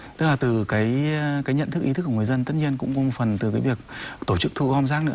tức là từ cái cái nhận thức ý thức của người dân tất nhiên cũng có một phần từ cái việc tổ chức thu gom rác nữa